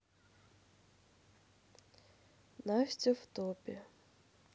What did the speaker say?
настя в топе